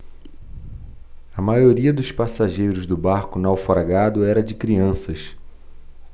a maioria dos passageiros do barco naufragado era de crianças